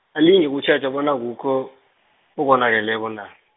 alinge ukutjheja bona akukho, okonakeleko na.